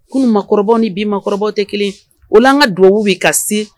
Kunun makɔrɔba ni bi makɔrɔba tɛ kelen u an ka dubabuw bɛ ka se